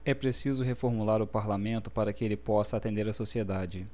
é preciso reformular o parlamento para que ele possa atender a sociedade